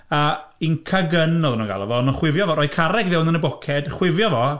A Inca gun oedden nhw'n galw fo. Oedden nhw'n chwifio fo... rhoi carreg fewn yn y boced, chwifio fo...